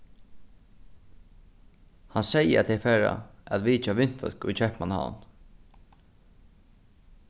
hann segði at tey fara at vitja vinfólk í keypmannahavn